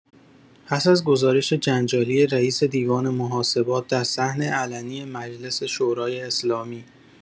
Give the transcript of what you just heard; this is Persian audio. پس از گزارش جنجالی رئیس دیوان محاسبات در صحن علنی مجلس شورای اسلامی